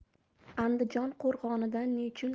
andijon qo'rg'onidan nechun